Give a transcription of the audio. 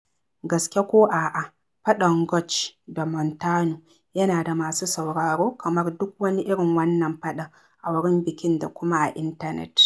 Gaske ko a'a, faɗan George/Montano yana da masu sauraro kamar duk wani irin wannan faɗan, a wurin bikin da kuma a intanet.